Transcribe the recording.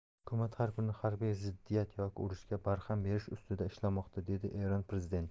hukumat har kuni harbiy ziddiyat yoki urushga barham berish ustida ishlamoqda dedi eron prezidenti